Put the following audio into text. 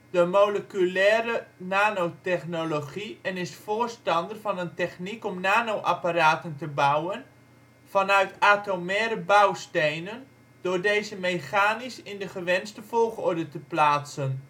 de moleculaire nanotechnologie en is voorstander van een techniek om nanoapparaten te bouwen vanuit atomaire bouwstenen door deze mechanisch in de gewenste volgorde te plaatsen